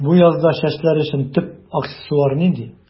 Бу язда чәчләр өчен төп аксессуар нинди?